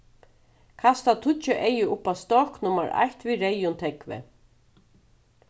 kasta tíggju eygu upp á stokk nummar eitt við reyðum tógvi